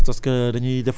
da nga ko détaillé waaw